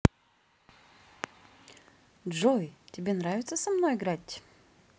джой тебе нравится со мной играть